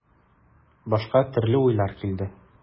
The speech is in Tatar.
Башка төрле уйлар килде.